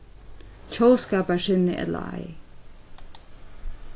tjóðskaparsinnað ella ei